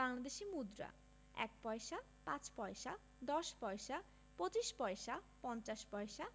বাংলাদেশি মুদ্রাঃ ১ পয়সা ৫ পয়সা ১০ পয়সা ২৫ পয়সা ৫০ পয়সা